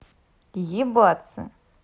ебаться